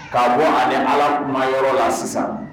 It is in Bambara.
K'a bɔ a ala kuma yɔrɔ la sisan